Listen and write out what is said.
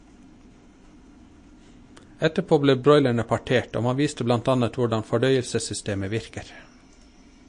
Etterpå ble broilerne partert, og man viste blant annet hvordan fordøyelsessystemet virker.